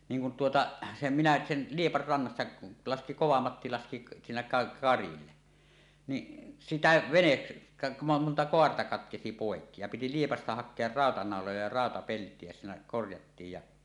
niin kun tuota sen minä sen Liepan rannassa laski Kovamatti laski siinä - karille niin sitä -- monta kaarta katkesi poikki ja piti Liepasta hakea rautanauloja ja rautapeltiä ja siinä korjattiin ja